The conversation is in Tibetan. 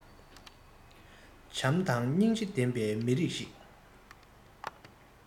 བྱམས དང སྙིང རྗེ ལྡན པའི མི རིགས ཤིག